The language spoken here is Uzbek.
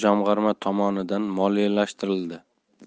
jamg'arma tomonidan moliyalashtirildi